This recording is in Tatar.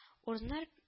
Урыннар